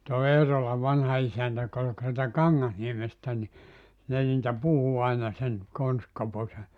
tuo Eerolan vanha isäntä joka oli - sieltä Kangasniemestä niin ne niitä puhui aina sen Konsti-Koposen